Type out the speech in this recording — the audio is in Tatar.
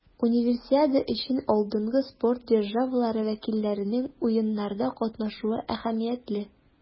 Универсиада өчен алдынгы спорт державалары вәкилләренең Уеннарда катнашуы әһәмиятле.